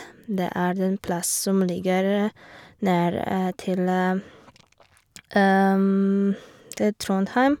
Det er den plass som ligger nær til til Trondheim.